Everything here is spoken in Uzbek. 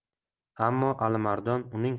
ammo alimardon uning